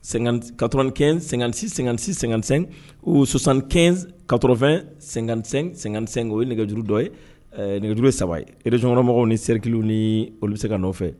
_95 56 56 55 ou 75 80 55 55 o ye nɛgɛjuru dɔ ye ɛɛ nɛgɛjuru ye saba ye région kɔnɔ mɔgɔw ni cercle u nii olu be se kan'o fɛ